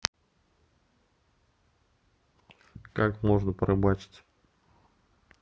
как можно порыбачить